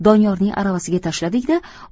doniyorning aravasiga tashladik da